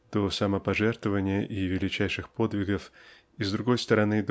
до самопожертвования и величайших подвигов и с другой стороны